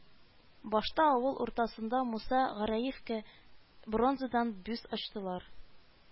Башта авыл уртасында Муса Гәрәевка бронзадан бюст ачтылар